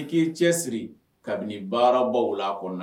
I'i cɛ siri kabini baarabɔ la kɔnɔ